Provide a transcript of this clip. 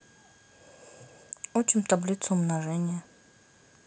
учим таблицу умножения